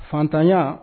Fatanya